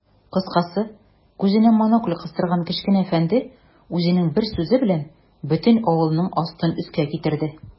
Кыскасы, күзенә монокль кыстырган кечкенә әфәнде үзенең бер сүзе белән бөтен авылның астын-өскә китерде.